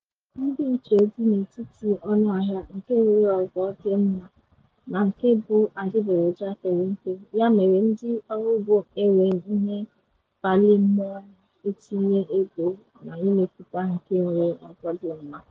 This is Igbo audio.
Ndiiche dị n'etiti ọnụahịa nke nwere ogo dị mma na nke bụ adịgboroja pere mpe, ya mere ndị ọrụugbo enweghị ihe mkpalị mmụọ itinye ego na imepụta nke nwere ogo dị mma